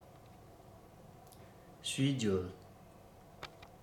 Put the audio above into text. ཞེས བརྗོད